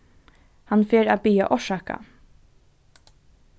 hann fer at biðja orsaka